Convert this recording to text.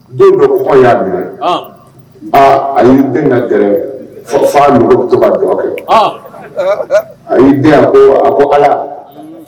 Den bɛɔgɔ y' dɛmɛ aaa a y'i den ka gɛlɛn fo fa toba dɔgɔ kɛ a y'i a kokala